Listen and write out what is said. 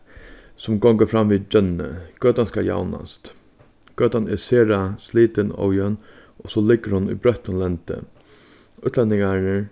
sum gongur fram við gjónni gøtan skal javnast gøtan er sera slitin og ójøvn og so liggur hon í brøttum lendi útlendingarnir